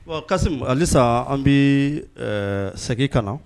Bon kasi halisa an bɛ seg ka na